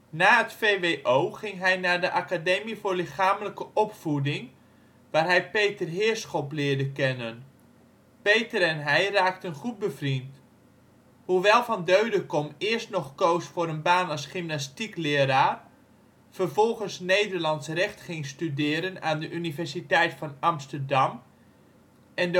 Na het vwo ging hij naar de Academie voor Lichamelijke Opvoeding, waar hij Peter Heerschop leerde kennen. Peter en hij raakten goed bevriend. Hoewel Van Deudekom eerst nog koos voor een baan als gymnastiekleraar, vervolgens Nederlands recht ging studeren aan de Universiteit van Amsterdam en